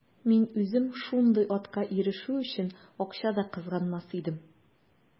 Мин үзем шундый атка ирешү өчен акча да кызганмас идем.